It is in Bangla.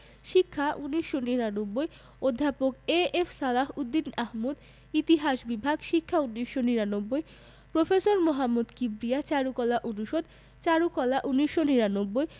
শিক্ষা ১৯৯৯ অধ্যাপক এ.এফ সালাহ উদ্দিন আহমদ ইতিহাস বিভাগ শিক্ষা ১৯৯৯ প্রফেসর মোহাম্মদ কিবরিয়া চারুকলা অনুষদ চারুকলা ১৯৯৯